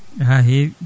ha heewi